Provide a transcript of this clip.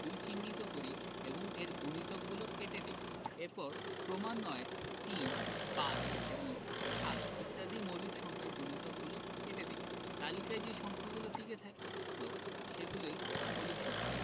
২ চিহ্নিত করি এবং এর গুণিতকগলো কেটে দেই এরপর ক্রমান্বয়ে ৩ ৫ এবং ৭ ইত্যাদি মৌলিক সংখ্যার গুণিতকগুলো কেটে দিই তালিকায় যে সংখ্যাগুলো টিকে তাকল সেগুলো মৌলিক সংখ্যা